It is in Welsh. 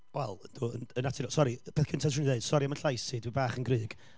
Wel, yndw, yn yn naturiol... sori, y peth cyntaf 'swn i'n ddeud, sori am yn llais i, dwi bach yn grug